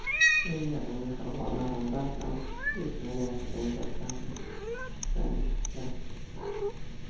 eng yaqin mehribonlaridan ham eshitmagan shirin gaplarni shu kishidan eshitdi